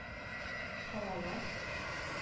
Һавалы